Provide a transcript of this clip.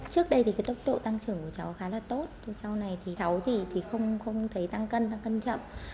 trước đây thì cái tốc độ tăng trưởng của cháu khá là tốt nhưng sau này thì cháu thì thì không không thấy tăng cân tăng cân chậm